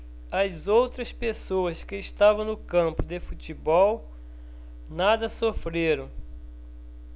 as outras pessoas que estavam no campo de futebol nada sofreram